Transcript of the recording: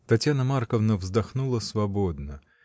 Татьяна Марковна вздохнула свободно.